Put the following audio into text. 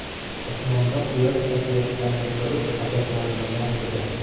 osmonda kuyosh sochayotganini ko'rib ajablanmagan edi